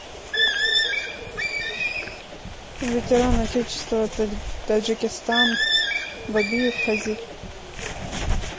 ветеран отечества таджикистан бабиев хафиз